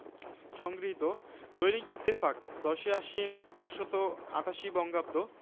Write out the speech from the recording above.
সংগৃহীত দৈনিক ইত্তেফাক ১০ই আশ্বিন ১৩৮৮ বঙ্গাব্দ